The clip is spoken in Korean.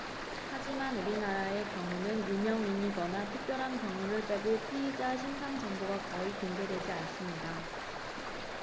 하지만 우리나라의 경우는 유명인이거나 특별한 경우를 빼고 피의자 신상 정보가 거의 공개되지 않습니다